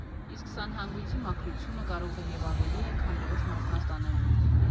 Իսկ սանհանգույցի մաքրությունը կարող է և ավելի է քան որոշ մարդկանց տաներում։